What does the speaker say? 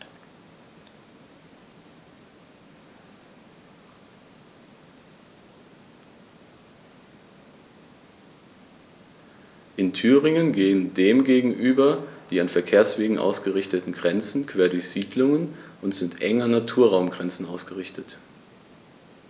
In Thüringen gehen dem gegenüber die an Verkehrswegen ausgerichteten Grenzen quer durch Siedlungen und sind eng an Naturraumgrenzen ausgerichtet.